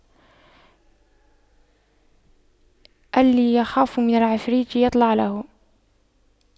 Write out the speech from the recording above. اللي يخاف من العفريت يطلع له